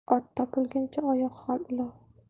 ot topilguncha oyoq ham ulov